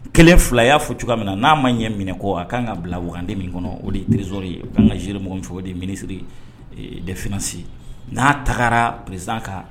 Kelen fila y'a fɔ cogoya cogo min na n'a ma ɲɛ minɛ kɔ a ka kan ka bilauganganden min kɔnɔ o de yerez ye k'an ka seeremɔgɔ min fɔ o de minisiriri de fsi n'a tagara perez kan